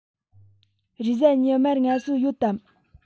རེས གཟའ ཉི མར ངལ གསོ ཡོད དམ